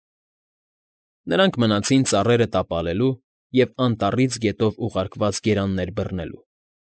Նրանք մանցին ծառերը տապալելու և անտառից գետով ուղարկած գերանները բռնելու։